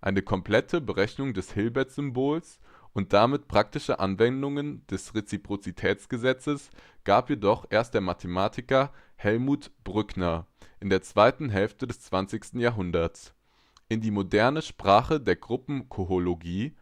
Eine komplette Berechnung des Hilbertsymbols und damit die praktische Anwendung des Reziprozitätsgesetzes, gab jedoch erst der Mathematiker Helmut Brückner in der zweiten Hälfte des zwanzigsten Jahrhunderts. In die moderne Sprache der Gruppenkohomologie